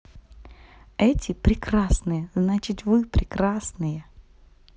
эти прекрасные значит вы прекрасные